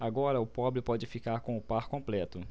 agora o pobre pode ficar com o par completo